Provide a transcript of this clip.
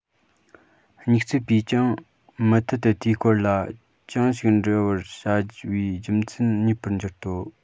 སྨྱུག འཛིན པས ཀྱང མུ མཐུད དུ དེའི སྐོར ལ ཅུང ཞིག བྲི བར བྱ བའི རྒྱུ མཚན རྙེད པར གྱུར ཏོ